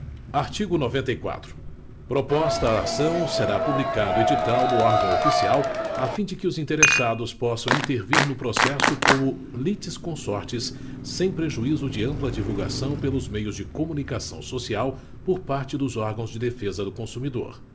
artigo noventa e quatro proposta a ação será publicado edital no órgão oficial a fim de que os interessados possam intervir no processo como litisconsortes sem prejuízo de ampla divulgação pelos meios de comunicação social por parte dos órgãos de defesa do consumidor